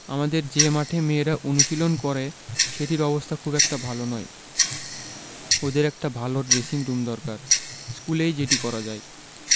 আমাদের যে মাঠে মেয়েরা অনুশীলন করে সেটির অবস্থা খুব একটা ভালো নয় ওদের একটা ভালো ড্রেসিংরুম দরকার স্কুলেই যেটি করা যায়